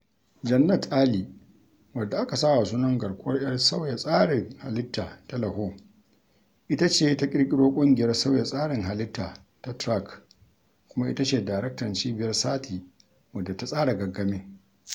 Jannat Ali, wadda aka sa wa sunan garkuwar 'yan sauya tsarin halitta ta Lahore, ita ce ta ƙirƙiro ƙungiyar sauya tsarin halitta ta Track kuma ita ce Daraktan Cibiyar Sathi wadda ta tsara gangamin.